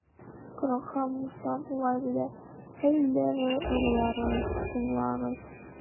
Корахка Муса болай диде: Әй Леви угыллары, тыңлагыз!